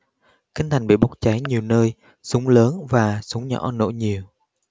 kinh thành bị bốc cháy nhiều nơi súng lớn và súng nhỏ nổ nhiều